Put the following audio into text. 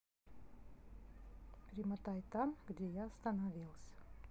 перемотай там где я остановился